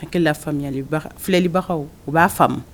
An kɛlen lafi faamuyayali filɛlibagaw o b'a faamu